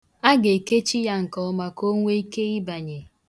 A ga-ekechi ya nke ọma ka o nwee ike ịbanye.